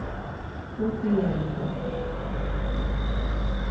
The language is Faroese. so siga vit tað